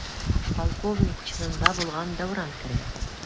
Полковник чинында булган Дәүран керә.